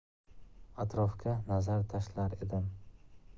atrofga nazar tashlar edim